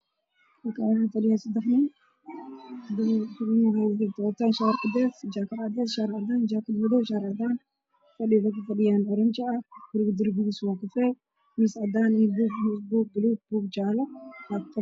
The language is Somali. Mise waxaa fadhiyo nin nin wata cadaan ah iyo okiyaalo